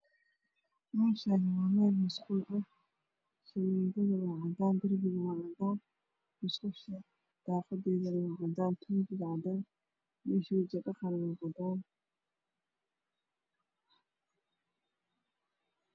Meshaani waa meel musqul ah shamindada waa cadan derbigana waa cadaan musqusha daqadeeda waa cadan tunjigana waa cadan mesha weji shaqana waa cadan